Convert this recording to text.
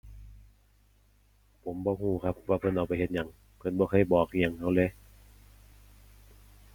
ผมบ่รู้ครับว่าเพิ่นเอาไปเฮ็ดหยัง เพิ่นบ่เคยบอกอิหยังรู้เลย